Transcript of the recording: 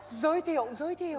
giới thiệu giới thiệu